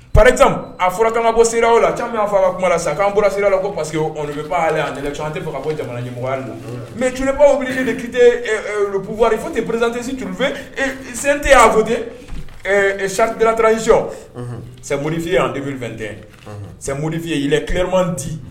Paz a fɔra kama bɔ sira o la caman min' fɔ a ka kuma la sa an bɔra sira la ko parce que olu bɛbaale' an tɛ fɔ ko jamana ɲɛmɔgɔ mɛ cbaw wulila ni kite pwa foyi tɛ pereztesituurufɛ eee sente' fɔ sadtrazsɔn sɛbononifin ye an2 tɛ sɛboninfinye yeɛlɛn kima di